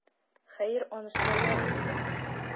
Хәер, анысы да ярый инде.